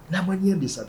N' Amadu ɲe be sa